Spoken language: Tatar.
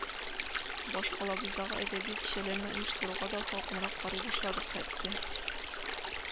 Башкалабыздагы әдәби кичәләрне оештыруга да салкынрак карый башладык хәтта